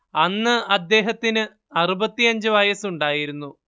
അന്ന് അദ്ദേഹത്തിന് അറുപത്തിയഞ്ച് വയസ്സുണ്ടായിരുന്നു